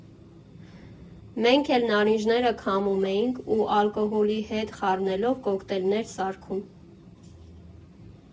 Մենք էլ նարինջները քամում էինք, ու ալկոհոլի հետ խառնելով կոկտեյլներ սարքում։